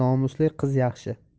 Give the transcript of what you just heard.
nomusli qiz yaxshi